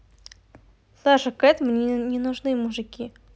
саша кэт мне не нужны мужики